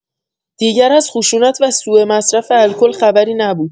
دیگر از خشونت و سوءمصرف الکل خبری نبود.